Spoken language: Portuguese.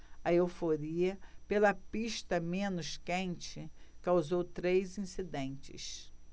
a euforia pela pista menos quente causou três incidentes